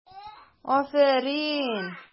Афәрин!